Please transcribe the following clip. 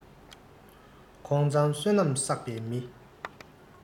ཁོང མཛངས བསོད ནམས བསགས པའི མི